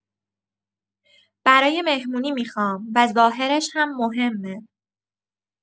برای مهمونی می‌خوام و ظاهرش هم مهمه.